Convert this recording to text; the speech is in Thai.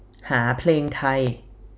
หาเพลงไทย